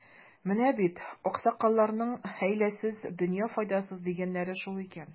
Менә бит, аксакалларның, хәйләсез — дөнья файдасыз, дигәннәре шул икән.